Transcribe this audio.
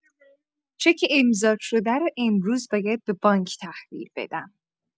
چک امضاء‌شده رو امروز باید به بانک تحویل بدم.